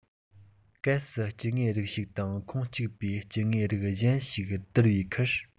གལ སྲིད སྐྱེ དངོས རིགས ཤིག དང ཁོངས གཅིག པའི སྐྱེ དངོས རིགས གཞན ཞིག བསྡུར པའི ཁར